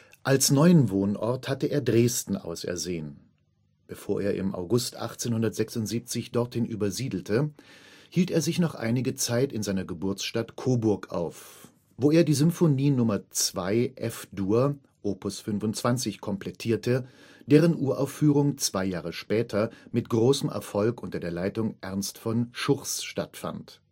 Als neuen Wohnort hatte er Dresden ausersehen. Bevor er im August 1876 dorthin übersiedelte, hielt er sich noch eine Zeit lang in seiner Geburtsstadt Coburg auf, wo er die Symphonie Nr. 2 F-Dur op. 25 komplettierte, deren Uraufführung 2 Jahre später mit großem Erfolg unter der Leitung Ernst von Schuchs stattfand